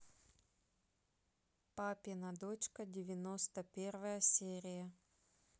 папина дочка девяносто первая серия